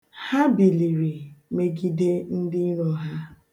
Ha biliri megide ndị iro ha.